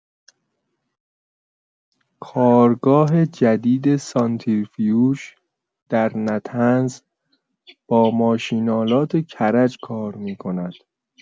کارگاه جدید سانتریفیوژ در نطنز با ماشین‌آلات کرج کار می‌کند.